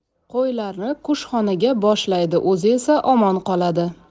qo'ylarni kushxonaga boshlaydi o'zi esa omon qoladi